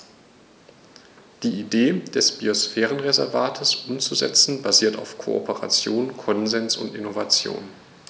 Die Idee des Biosphärenreservates umzusetzen, basiert auf Kooperation, Konsens und Innovation.